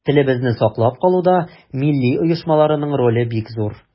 Телебезне саклап калуда милли оешмаларның роле бик зур.